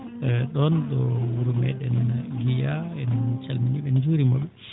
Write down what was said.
ɗon ɗo wuro meeɗen Mbiyaa en calminii ɓe en njuuriima ɓe